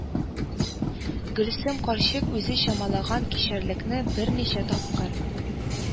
Гөлсем карчык үзе чамалаган кишәрлекне берничә тапкыр